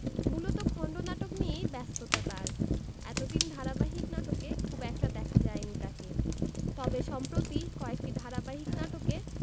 মূলত খণ্ডনাটক নিয়েই ব্যস্ততা তার এতদিন ধারাবাহিক নাটকে খুব একটা দেখা যায়নি তাকে তবে সম্প্রতি কয়েকটি ধারাবাহিক নাটকে